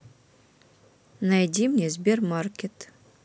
найди мне сбермаркет